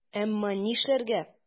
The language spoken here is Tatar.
Әмма нишләргә?!